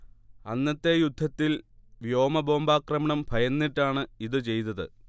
അന്നത്തെ യുദ്ധത്തിൽ വ്യോമ ബോംബാക്രമണം ഭയന്നിട്ടാണ് ഇത് ചെയ്തത്